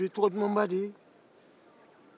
dusu ye tɔgɔ dumanba de ye